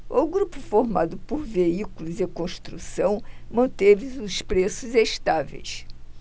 o grupo formado por veículos e construção manteve os preços estáveis